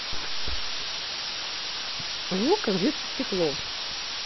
звук как бьется стекло